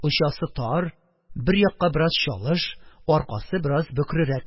Очасы тар, бер якка бераз чалыш, аркасы бераз бөкрерәк.